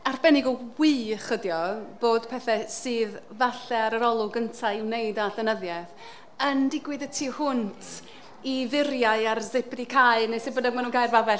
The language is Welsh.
arbennig o wych ydy o, bod pethe sydd falle ar yr olwg gynta i'w wneud â llenyddiaeth yn digwydd y tu hwnt i furiau a'r sip wedi cau neu sut bynnag maen nhw'n cau'r babell.